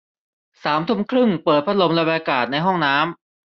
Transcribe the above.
สามทุ่มครึ่งเปิดพัดลมระบายอากาศในห้องน้ำ